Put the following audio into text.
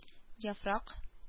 Яфрак